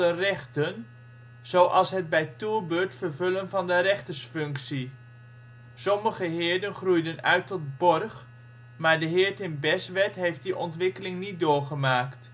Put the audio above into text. rechten, zoals het bij toerbeurt vervullen van de rechtersfunctie. Sommige heerden groeiden uit tot borg, maar de heerd in Beswerd heeft die ontwikkeling niet doorgemaakt